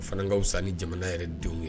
O fana ka fisa ni amana yɛrɛ denw ye!